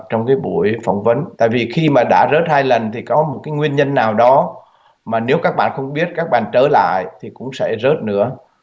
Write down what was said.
trong cái buổi phỏng vấn tại vì khi mà đã rớt hai lần thì có một cái nguyên nhân nào đó mà nếu các bạn không biết các bạn trở lại thì cũng sẽ rớt nữa